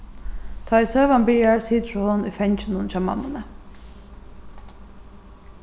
tá ið søgan byrjar situr hon í fanginum hjá mammuni